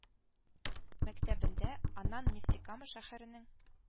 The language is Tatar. Мәктәбендә, аннан нефтекама шәһәренең